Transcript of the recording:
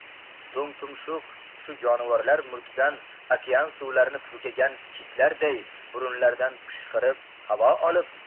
do'ngtumshuq shu jonivorlar murtidan okean suvlarini purkagan kitlarday burunlaridan pishqirib havo olib